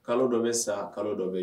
Kalo dɔ bɛ san kalo dɔ bɛ